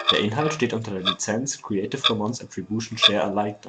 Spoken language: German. Inhalt steht unter der Lizenz Creative Commons Attribution Share Alike